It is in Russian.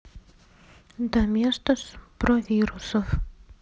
domestos про вирусов